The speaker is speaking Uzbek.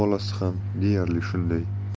bolasi ham deyarli shunday